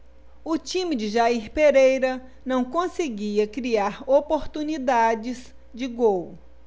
o time de jair pereira não conseguia criar oportunidades de gol